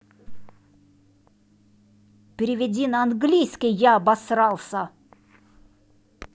переведи на английский я обосрался